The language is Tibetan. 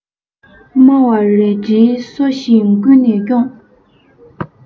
དམའ བ རལ གྲིའི སོ བཞིན ཀུན ནས སྐྱོངས